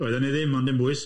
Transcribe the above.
Doeddwn i ddim ond dim bwys.